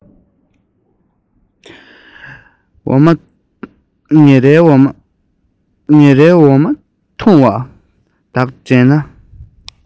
འོ མ འཐུང བའི བགྲང བྱ ལྷག ཏུ དྲན